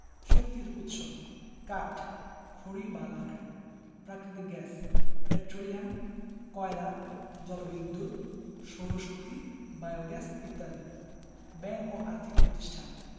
শক্তির উৎসঃ কাঠ খড়ি বা লাকড়ি প্রাকৃতিক গ্যাস পেট্রোলিয়াম কয়লা জলবিদ্যুৎ সৌরশক্তি বায়োগ্যাস ইত্যাদি ব্যাংক ও আর্থিক প্রতিষ্ঠানঃ